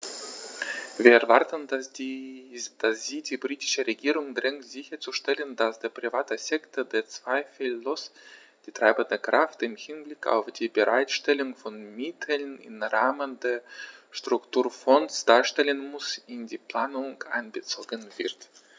Wir erwarten, dass sie die britische Regierung drängt sicherzustellen, dass der private Sektor, der zweifellos die treibende Kraft im Hinblick auf die Bereitstellung von Mitteln im Rahmen der Strukturfonds darstellen muss, in die Planung einbezogen wird.